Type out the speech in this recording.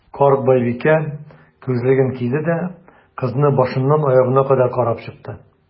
Карт байбикә, күзлеген киде дә, кызны башыннан аягына кадәр карап чыкты.